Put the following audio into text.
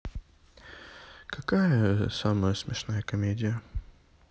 какая самая смешная комедия